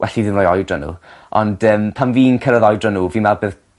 well i fi ddim roi oedran n'w ond yym pan fi'n cyrraedd oedran n'w fi'n me'wl bydd